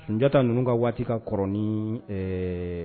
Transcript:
Njatata ninnu ka waati ka kɔrɔnɔni ɛɛ